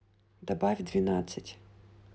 добавь двенадцать